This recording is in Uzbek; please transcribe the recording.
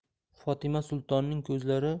fotima sultonning ko'zlari